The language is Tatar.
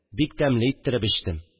Бик тәмле иттереп эчтем